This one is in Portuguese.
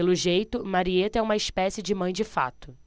pelo jeito marieta é uma espécie de mãe de fato